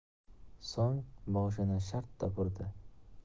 so'ng boshini shartta burdi